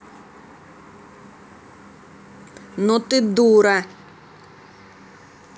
ну ты дура